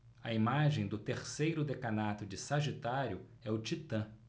a imagem do terceiro decanato de sagitário é o titã